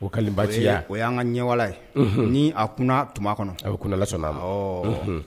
O kalibaya o y'an ka ɲɛwa ye ni a kunna tuma' kɔnɔ a bɛ kunnalasɔ la